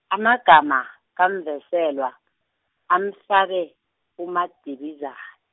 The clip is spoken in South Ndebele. amagama kaMvenselwa amhlabe, uMadibizan-.